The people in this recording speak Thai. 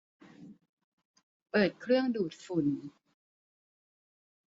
เปิดเครื่องดูดฝุ่น